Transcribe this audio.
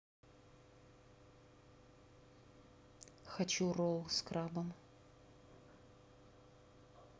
хочу ролл с крабом